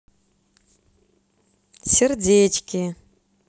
сердечки